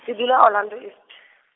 se dula Orlando East.